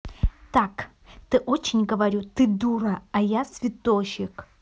так ты очень говорю ты дура а я цветочек